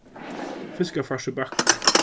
fiskafars í bakka